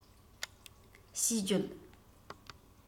ཞེས བརྗོད